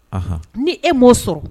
Ni e m' oo sɔrɔ